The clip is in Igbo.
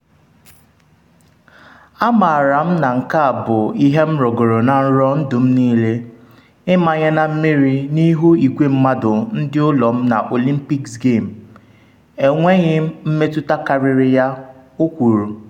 “A maara m na nke a bụ ihe m rọgoro na nrọ ndụ m niile - ịmanye na mmiri n’ihu igwe mmadụ ndị ụlọ m na Olympics Game, enweghị mmetụta karịrị ya,” o kwuru.